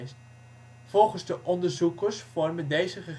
Volgens de onderzoekers vormen deze